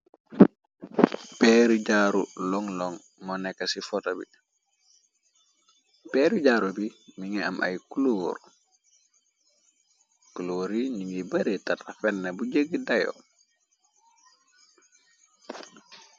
Peeri jarru long long mo neka ci foto b peeri jaaro bi. Mi nga am ay color yi ñi ngiy bare tarrax fenn bu jeggi dayo.